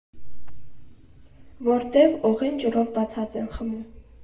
Որտև օղին ջրով բացած են խմում։